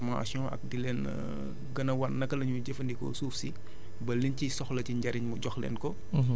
ci formation ak di leen gën a wan naka la ñuy jëfandikoo suuf si ba liñ ci soxla ci njëriñ mu jox leen ko